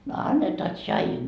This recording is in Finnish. no annetaan tsaijua